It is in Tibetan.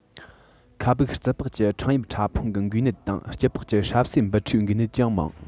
ཁ སྦུག རྩི པགས ཀྱི ཕྲེང དབྱིབས ཕྲ ཕུང གི འགོས ནད དང སྐྱི པགས ཀྱི སྲབ སའི འབུ ཕྲའི འགོས ནད ཅུང མང